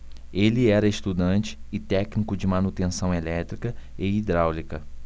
ele era estudante e técnico de manutenção elétrica e hidráulica